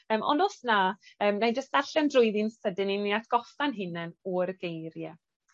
Yym ond os na yym nâi jyst ddarllen drwyddi'n sydyn i ni atgoffa'n hunen o'r geirie.